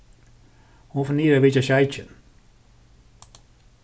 hon fer niður at vitja sjeikin